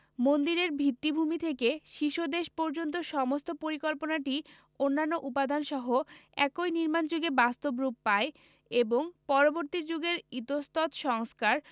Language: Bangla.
মন্দিরের ভিত্তিভূমি থেকে শীর্ষদেশ পর্যন্ত সমস্ত পরিকল্পনাটি অন্যান্য উপাদানসহ একই নির্মাণযুগে বাস্তব রূপ পায় এবং পরবর্তী যুগের ইতস্তত সংস্কার